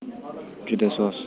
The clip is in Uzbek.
juda soz